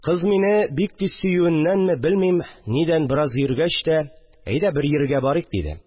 Кыз мине бик сөюеннәнме, белмим, нидән, бераз йөргәч тә: «Әйдә, бер йиргә барыйк», – диде